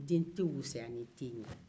den tɛ fisaya ni den ye